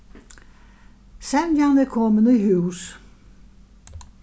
semjan er komin í hús